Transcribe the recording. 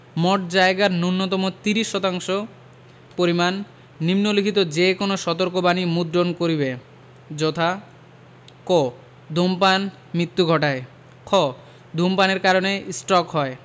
মোট জায়গার অন্যূন ৩০% শতাংশ পরিমাণ নিম্নবণিত যে কোন সতর্কবাণী মুদ্রণ করিবে যথা ক ধূমপান মৃত্যু ঘটায় খ ধূমপানের কারণে ষ্ট্রোক হয়